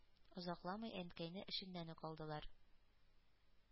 Озакламый Әнкәйне эшеннән үк алдылар.